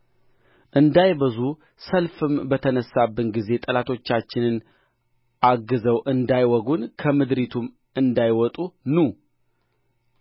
እንዳይበዙ ሰልፍም በተነሳብን ጊዜ ጠላቶቻችንን አግዘው እንዳይወጉን ከምድሪቱም እንዳይወጡ ኑ